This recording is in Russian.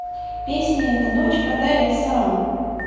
песня эта ночь подарит сам